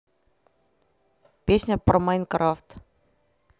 песня про майнкрафт